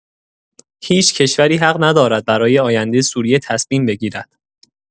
هیچ کشوری حق ندارد برای آینده سوریه تصمیم بگیرد؛